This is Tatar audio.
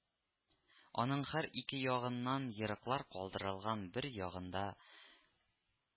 Аның һәр ике ягыннан ерыклар калдырылган, бер ягында